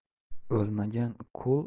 o'lmagan qui oltin